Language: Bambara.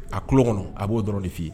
A tulo kɔnɔ a b'o dɔrɔn'i